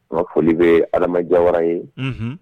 N ka foli bɛ Adama Jawara ye.